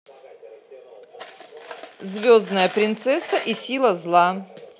звездная принцесса и сила зла